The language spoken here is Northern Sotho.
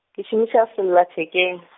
ke šomiša sellathekeng .